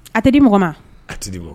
A tɛ di mɔgɔ ma a tɛ di bɔ